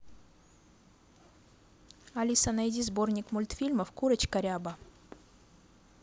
алиса найди сборник мультфильмов курочка ряба